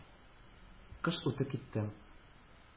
Кыш үтеп китте.